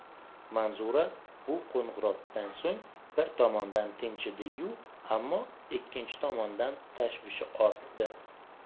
manzura bu qo'ng'iroqdan so'ng bir tomondan tinchidi yu ammo ikkinchi tomondan tashvishi ortdi